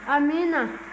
amiina